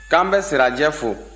k'an bɛ sirajɛ fo